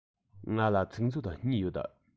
ང ལ ཚིག མཛོད གཉིས ཡོད